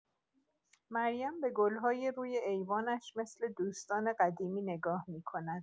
مریم به گل‌های روی ایوانش مثل دوستان قدیمی نگاه می‌کند.